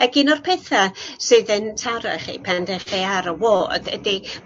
ag un o'r petha' sydd yn taro chi pen 'dech chi ar y ward ydi